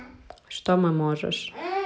что мы можешь